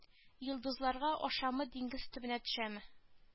Йолдызларга ашамы диңгез төбенә төшәме